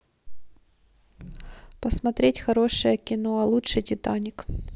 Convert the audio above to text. посмотреть хорошее кино а лучше титаник